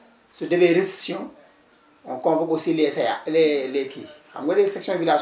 su demee restitution on convopque aussi les CA les les kii xam nga les sections village